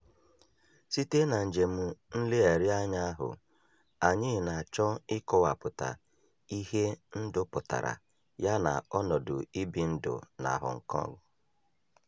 Site na njem nlegharị anya ahụ, anyị na-achọ ịkọwapụta ihe ndụ pụtara yana ọnọdụ ibi ndụ na Hong Kong.